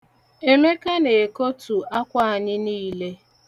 Emeka na-ekotu akwa anyị niile.